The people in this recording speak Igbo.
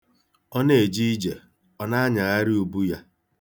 Ọ na-aga ije, ọ na-anyagharị ụbụ ya.